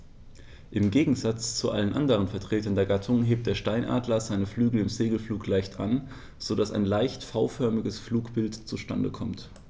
Im Gegensatz zu allen anderen Vertretern der Gattung hebt der Steinadler seine Flügel im Segelflug leicht an, so dass ein leicht V-förmiges Flugbild zustande kommt.